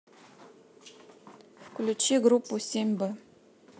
включи группу семь б